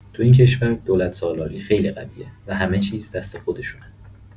تو این کشور دولت‌سالاری خیلی قویه و همه چیز دست خودشونه.